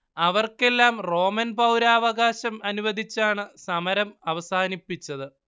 അവർക്കെല്ലാം റോമൻ പൗരാവകാശം അനുവദിച്ചാണ് സമരം അവസാനിപ്പിച്ചത്